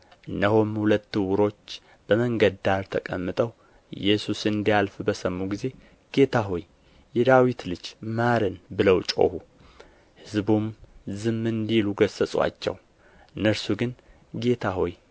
እነሆም ሁለት ዕውሮች በመንገድ ዳር ተቀምጠው ኢየሱስ እንዲያልፍ በሰሙ ጊዜ ጌታ ሆይ የዳዊት ልጅ ማረን ብለው ጮኹ ሕዝቡም ዝም እንዲሉ ገሠጹአቸው እነርሱ ግን ጌታ ሆይ